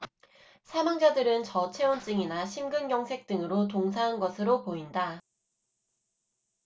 사망자들은 저체온증이나 심근경색 등으로 동사한 것으로 보인다